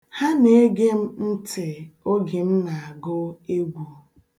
Ha na-ege m ntị oge m na-agụ egwu.